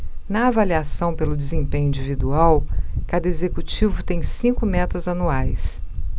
na avaliação pelo desempenho individual cada executivo tem cinco metas anuais